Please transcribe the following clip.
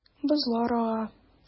Бозлар ага.